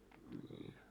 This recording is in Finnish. niin